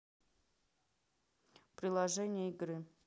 приложение игры